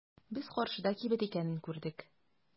Без каршыда кибет икәнен күрдек.